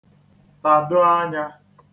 tàdo ānyā